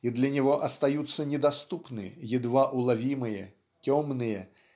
и для него остаются недоступны едва уловимые темные